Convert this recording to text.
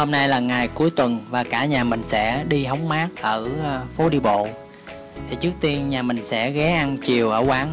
hôm nay là ngày cuối tuần và cả nhà mình sẽ đi hóng mát ở phố đi bộ trước tiên nhà mình sẽ ghé ăn chiều ở quán